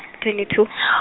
twenty two .